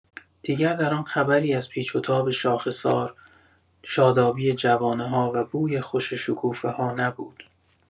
دیگر در آن خبری از پیچ و تاب شاخسار، شادابی جوانه‌ها و بوی خوش شکوفه‌ها نبود.